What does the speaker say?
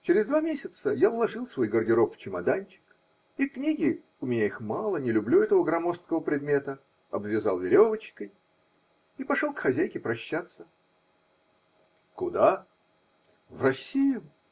Через два месяца я уложил свой гардероб в чемоданчик, и книги (у меня их мало: не люблю этого громоздкого предмета) обвязал веревочкой и пошел к хозяйке прощаться. -- Куда? -- В Россию.